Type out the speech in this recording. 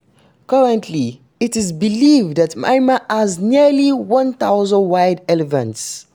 Currently, it is believed that Myanmar has nearly 1,500 wild elephants.